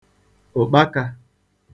ụ̀kpakā